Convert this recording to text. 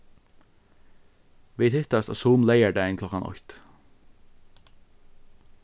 vit hittast á zoom leygardagin klokkan eitt